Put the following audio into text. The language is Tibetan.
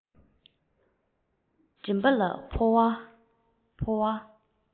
མགྲིན པ ལ ཕོ བ ཕོ བ